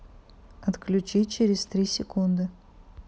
отключись через три секунды